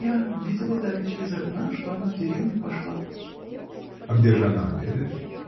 Я видела давеча из окна, что она в деревню пошла. — Где же она обедает?